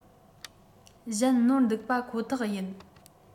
གཞན ནོར འདུག པ ཁོ ཐག ཡིན